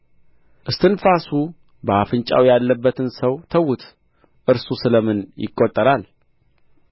እስትንፋሱ በአፍንጫው ውስጥ ያለበትን ሰው ተዉት እርሱ ስለ ምን ይቈጠራል